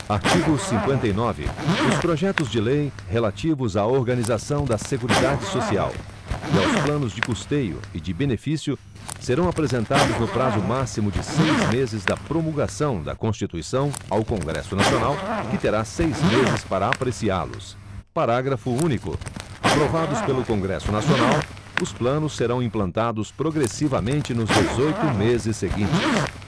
artigo cinquenta e nove os projetos de lei relativos à organização da seguridade social e aos planos de custeio e de benefício serão apresentados no prazo máximo de seis meses da promulgação da constituição ao congresso nacional que terá seis meses para apreciá los parágrafo único aprovados pelo congresso nacional os planos serão implantados progressivamente nos dezoito meses seguintes